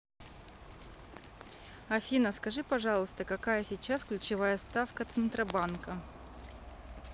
афина скажи пожалуйста какая сейчас ключевая ставка центробанка